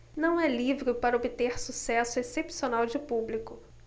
não é livro para obter sucesso excepcional de público